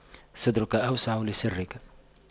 صدرك أوسع لسرك